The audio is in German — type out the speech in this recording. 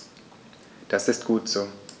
Das ist gut so.